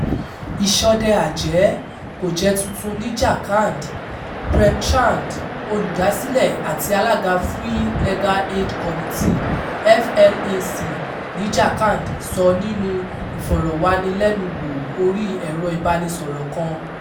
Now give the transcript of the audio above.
"Ìṣọdẹ-àjẹ́ kò jẹ́ tuntun ní Jharkhand", Prem Chand, Olúdásílẹ̀ àti Alága Free Legal Aid Committee (FLAC) ní Jharkhand, sọ nínúu ìfọ̀rọ̀wánilẹ́nuwò orí ẹ̀ro-ìbánisọ̀rọ̀ kan.